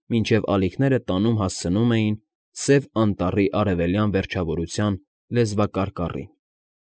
Մինչև ալիքները տանում հասցնում էին Սև Անտառի արևելյան վերջավորության լեզվակարկառին։